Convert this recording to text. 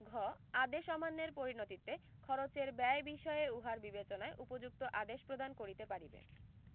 ঘ আদেশ অমান্যের পরিণতিতে খরচের ব্যয় বিষয়ে উহার বিবেচনায় উপযুক্ত আদেশ প্রদান করিতে পারিবে